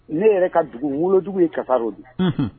Ne yɛrɛ ka dugu wolodugu in karo don